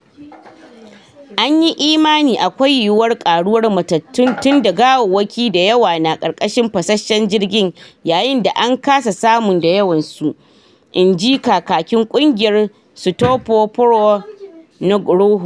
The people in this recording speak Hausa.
"An yi imani akwai yiwuwar karuwar matattun tunda gawawwaki da yawa na karkashin fasashshen jirgin yayin da an kasa samun da yawan su," in ji kakakin kungiyar Sutopo Purwo Nugroho.